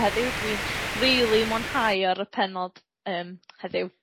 ...heddiw dwi'n rili mwynhau ar y pennod yym heddiw.